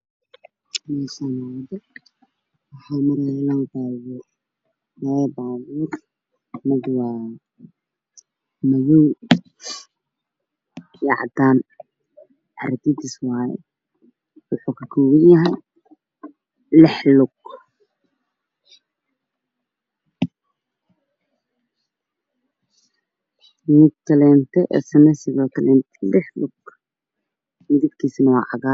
Meeshaan waxay iga muuqda labo iskarago midna waa cagaar midna waa caddaan oo saaran waddo aan laami ahayn gadaalna waxaa ka baxayo geeda cagaaran